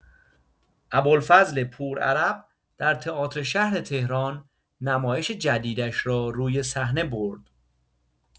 ابوالفضل پورعرب در تئاتر شهر تهران نمایش جدیدش را روی صحنه برد.